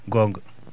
goonga